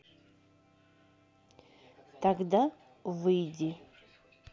тогда выйди